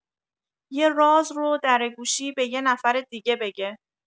یه راز رو درگوشی به یه نفر دیگه بگه.